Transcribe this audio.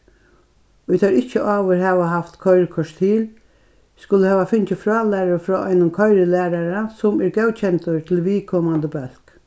ið teir ikki áður hava havt koyrikort til skulu hava fingið frálæru frá einum koyrilærara sum er góðkendur til viðkomandi bólk